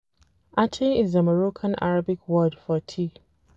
Atay is the Moroccan Arabic word for tea.